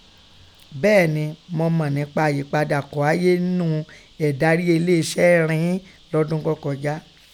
Bẹ́ẹ̀ ni, mọ mọ̀ nípa àyípadà kọ́ háyé ńnú ẹ̀dàrí eléeṣẹ́ rin ín lọ́dún kọ́ kọjá.